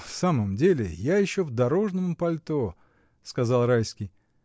— В самом деле, я еще в дорожном пальто, — сказал Райский.